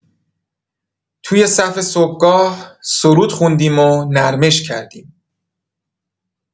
توی صف صبحگاه سرود خوندیم و نرمش کردیم.